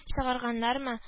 Чыгарганнармы